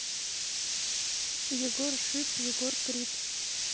егор шип егор крид